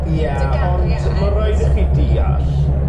Ie. ...dy gariad. Ond ma' raid i chi deall